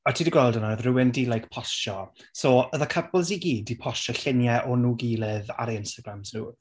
O't ti 'di gweld hwnna? Oedd rywun 'di like postio... So oedd y couples i gyd 'di postio lluniau o nhw ei gilydd ar eu Instagrams nhw.